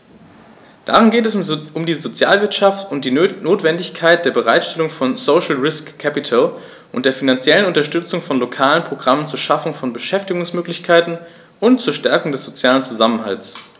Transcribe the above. Darin geht es um die Sozialwirtschaft und die Notwendigkeit der Bereitstellung von "social risk capital" und der finanziellen Unterstützung von lokalen Programmen zur Schaffung von Beschäftigungsmöglichkeiten und zur Stärkung des sozialen Zusammenhalts.